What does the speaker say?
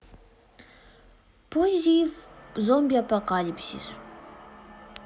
поззи в зомби апокалипсис